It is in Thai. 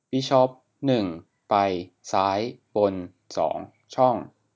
บิชอปหนึ่งไปซ้ายบนสองช่อง